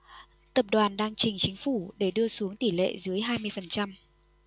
tập đoàn đang trình chính phủ để đưa xuống tỷ lệ dưới hai mươi phần trăm